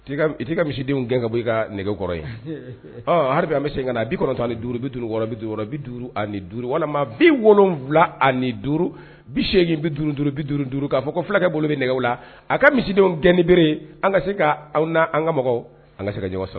I'i ka misidenw gɛn ka bɔ i ka nɛgɛ kɔrɔ ye ha an bɛ sen ka na a bi kɔnɔntan duuru bikɔrɔ duuru bi duuru ani duuru walima bi wolowula ani ni duuru bi segingin bi duuru duuru bi duuru duuru k'a fɔ ko fulakɛ bolo bɛ nɛgɛ la a ka misidenw gɛni bereere an ka se k' aw na an ka mɔgɔw an ka sɛgɛ ɲɔgɔn sɔrɔ